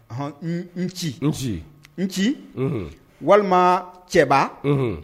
Hɔn n n ci n ci walima cɛbaba